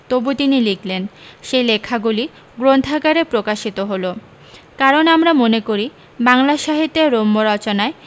তবু তিনি লিখলেন সেই লেখাগুলি গ্রন্থাকারে প্রকাশিত হল কারণ আমরা মনে করি বাংলা সাহিত্যের রম্য রচনায়